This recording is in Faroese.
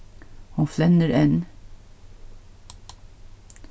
hon flennir enn